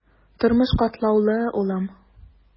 Тормыш катлаулы, улым.